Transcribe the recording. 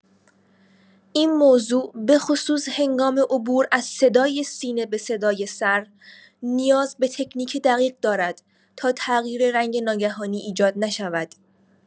این موضوع به‌خصوص هنگام عبور از صدای سینه به صدای سر نیاز به تکنیک دقیق دارد تا تغییر رنگ ناگهانی ایجاد نشود.